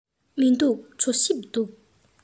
མི འདུག གྲོ ཞིབ འདུག